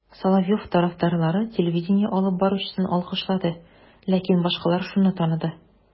Соловьев тарафдарлары телевидение алып баручысын алкышлады, ләкин башкалар шуны таныды: